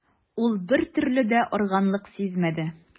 Ул бертөрле дә арыганлык сизмәде.